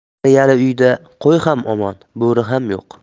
qariyali uyda qo'y ham omon bo'ri ham yo'q